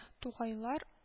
Тугайлар